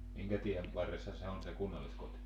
minkä tien varressa se on se kunnalliskoti